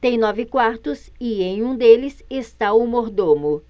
tem nove quartos e em um deles está o mordomo